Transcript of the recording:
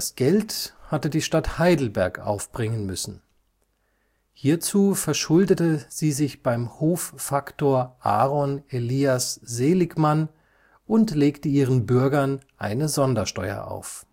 Geld hatte die Stadt Heidelberg aufbringen müssen. Hierzu verschuldete sie sich beim Hoffaktor Aron Elias Seligmann und legte ihren Bürgern eine Sondersteuer auf